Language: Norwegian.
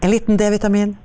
en liten D-vitamin.